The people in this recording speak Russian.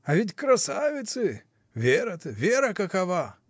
— А ведь красавицы: Вера-то, Вера какова!